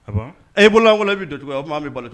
Ɛ bolo kɔnɔ e bɛ doncogo fɔ bɛ balo bolo